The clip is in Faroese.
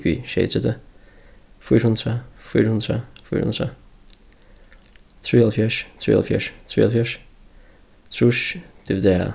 ligvið sjeyogtretivu fýra hundrað fýra hundrað fýra hundrað trýoghálvfjerðs trýoghálvfjerðs trýoghálvfjerðs trýss dividerað